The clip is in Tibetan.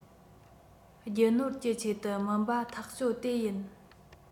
རྒྱུ ནོར གྱི ཆེད དུ མིན པ ཐག གཅོད དེ ཡིན